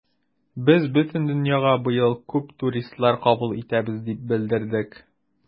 Без бөтен дөньяга быел күп туристлар кабул итәбез дип белдердек.